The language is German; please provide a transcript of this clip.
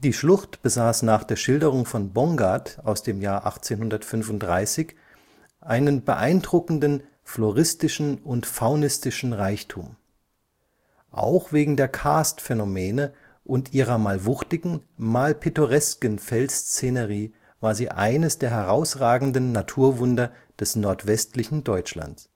Schlucht besaß nach der Schilderung von Bongard (1835) einen beeindruckenden floristischen und faunistischen Reichtum. Auch wegen der Karstphänomene und ihrer mal wuchtigen, mal pittoresken Felsszenerie war sie eines der herausragenden Naturwunder des nordwestlichen Deutschland